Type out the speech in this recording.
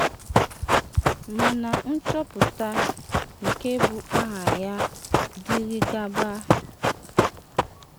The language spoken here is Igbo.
Mana nchọpụta nke bu aha ya dịịrị gaba.